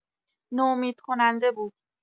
نومیدکننده بود.